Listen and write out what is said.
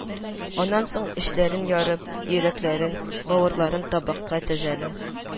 Аннан соң эчләрен ярып, йөрәкләрен, бавырларын табакка тезәләр